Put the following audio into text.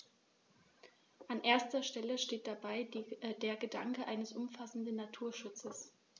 An erster Stelle steht dabei der Gedanke eines umfassenden Naturschutzes.